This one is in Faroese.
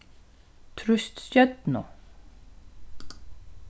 trýst stjørnu